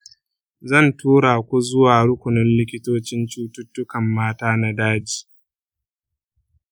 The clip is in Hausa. zan tura ku zuwa rukunin likitocin cututtukan mata na daji.